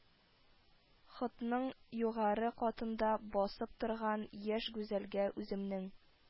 Ходның югары катында басып торган яшь гүзәлгә, үземнең